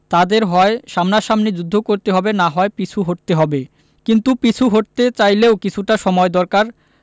তাঁদের হয় সামনাসামনি যুদ্ধ করতে হবে না হয় পিছু হটতে হবে কিন্তু পিছু হটতে চাইলেও কিছুটা সময় দরকার